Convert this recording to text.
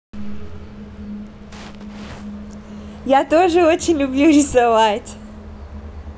я тоже очень люблю рисовать